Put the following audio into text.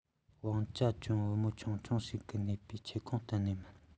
བང ཅ ཅོན བུ མོ ཆུང ཆུང ཞིག གི ནུས པའི ཁྱབ ཁོངས གཏན ནས མིན